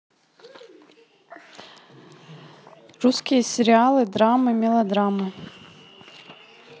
русские сериалы драмы мелодрамы